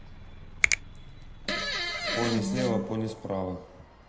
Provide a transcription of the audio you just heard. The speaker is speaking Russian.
пони слева пони справа